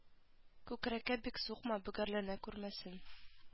Күкрәккә бик сукма бөгәрләнә күрмәсен